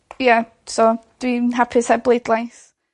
ie so dwi'n hapus heb bleidlais.